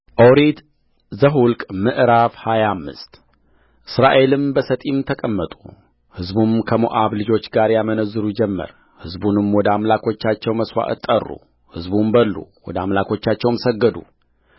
ኦሪት ዘኍልቍ ምዕራፍ ሃያ አምስት እስራኤልም በሰጢም ተቀመጡ ሕዝቡም ከሞዓብ ልጆች ጋር ያመነዝሩ ጀመርሕዝቡንም ወደ አምላኮቻቸው መሥዋዕት ጠሩ ሕዝቡም በሉ ወደ አምላኮቻቸውም ሰገዱ